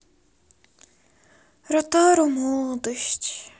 ротару молодость